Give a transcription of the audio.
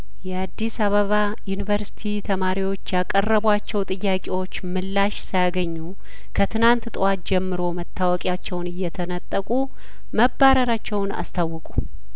የአዲስ አበባ ዩኒቨርስቲ ተማሪዎች ያቀረቧቸው ጥያቄዎች ምላሽ ሳያገኙ ከትናንት ጠዋት ጀምሮ መታወቂያቸውን እየተነጠቁ መባረራቸውን አስታወቁ